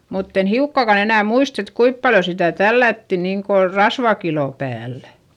mutta en hiukkaakaan enää muista että kuinka paljon sitä tällättiin niin kuin rasvakiloa päällä